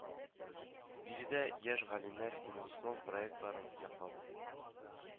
Биредә яшь галимнәр инновацион проектларын яклады